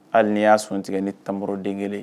Hali n'i y'a sɔn tigɛ ni tanbden kelen